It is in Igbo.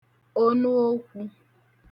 onu okwū